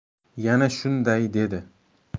yana shunday dedi